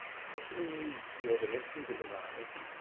Cwestiwn i ni 'i ofyn wrth i ni fynd ymlan ydi